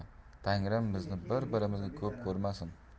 tangrim bizni bir birimizga ko'p ko'rmasin